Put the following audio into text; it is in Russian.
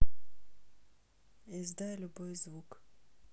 издай любой звук